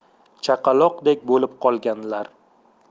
chaqaloqday bo'lib qolganlar